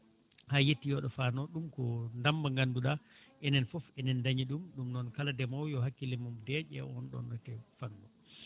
ha yettoyo ɗo faano ɗum ko daam mo ganduɗa enen foof enen dañi ɗum ɗum noon kala ndemowo yo hakkile mum deeƴe e on ɗonne key fannu